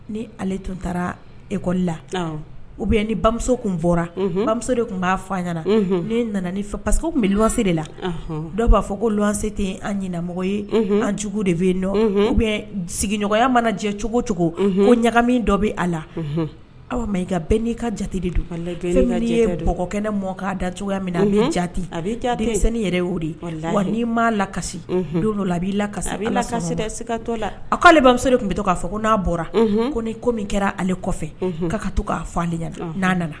Ni ale tun taara ekɔli la u bɛ ni bamuso tun bɔra bamuso de tun'a fɔ ɲɛnaana ne nana ni fɛ pa que wase de la dɔw b'a fɔ ko se tɛ an ɲmɔgɔ ye anjugu de bɛ yen dɔn u bɛ sigiɲɔgɔnya mana jɛ cogo cogo ko ɲaga min dɔ bɛ a la aw ma i ka bɛn n'i ka jate de don fɛn mɔgɔkɛnɛ mɔ k' da cogoyaya min a bɛ jate a bɛ ja denmisɛnninni yɛrɛ o de wa n'i maa laka don dɔ la a b'i la a la setɔ la a k'ale bamuso de tun bɛ to k'a fɔ ko n'a bɔra ko ni ko min kɛra ale kɔfɛ' ka to k'a fɔ ale n'a nana